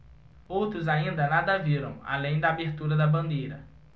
outros ainda nada viram além da abertura da bandeira